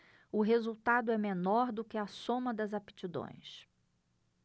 o resultado é menor do que a soma das aptidões